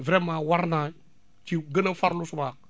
vraiment war naa ci gën a farlu si waat